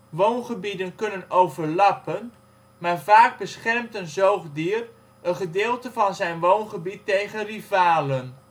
Woongebieden kunnen overlappen, maar vaak beschermt een zoogdier (een gedeelte van) zijn woongebied tegen rivalen